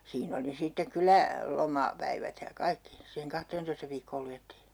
siinä oli sitten kyllä - lomapäivät ja kaikki siihen kahteentoista viikkoon luettiin